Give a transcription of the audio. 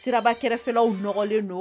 Siraba kɛrɛfɛfɛlaw nɔgɔlen don